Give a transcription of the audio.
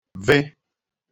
vị